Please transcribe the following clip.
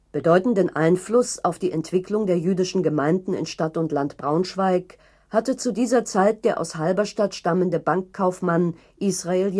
Bedeutenden Einfluss auf die Entwicklung der jüdischen Gemeinden in Stadt und Land Braunschweig hatte zu dieser Zeit der aus Halberstadt stammende Bankkaufmann Israel